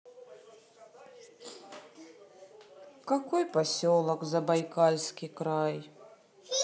какой поселок забайкальский край